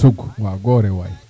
sug waaw goore waay